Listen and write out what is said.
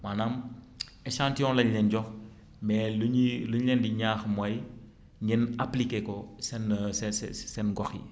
maanaam échantillon la ñu leen jox mais li ñuy li ñu leen di ñaax mooy ngeen appliqué ko seen se se seen gox yi